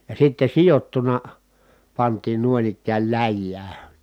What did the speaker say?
ja sitten sidottuna pantiin noin ikään läjään